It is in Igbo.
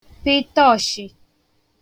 pịtọshị̄